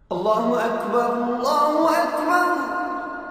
Kura mɔkuma